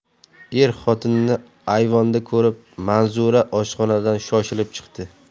er xotinni ayvonda ko'rib manzura oshxonadan shoshilib chiqdi